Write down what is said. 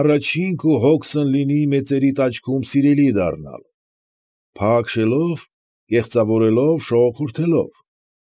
Աոաջին քո հոգսն լինի մեծերիդ աչքում սիրելի դառնալ, փաղաքշելով, կեղծավորելով, շողոքորթելով։